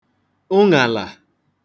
ụṅàlà